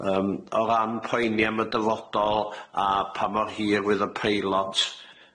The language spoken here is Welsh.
Yym o ran poeni am y dyfodol, a pa mor hir fydd y peilot